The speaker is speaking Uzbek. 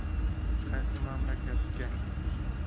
qaysi mamlakatga